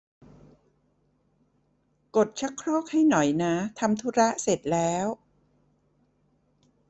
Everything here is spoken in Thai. กดชักโครกให้หน่อยนะทำธุระเสร็จแล้ว